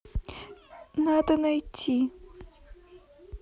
надо найти